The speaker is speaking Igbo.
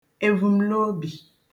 èvùmlobì